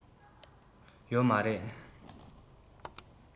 ཡོད མ རེད